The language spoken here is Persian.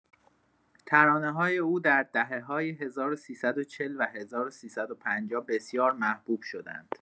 ترانه‌های او در دهه‌های ۱۳۴۰ و ۱۳۵۰ بسیار محبوب شدند.